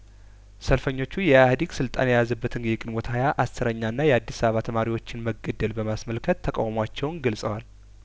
ሰልፈኞቹ የኢህአዲግ ስልጣን የያዘበትን የግንቦት ሀያ እስረኛና የአዲስአባ ተማሪዎችን መገደል በማስመልከት ተቃውሞአቸውን ገልጸዋል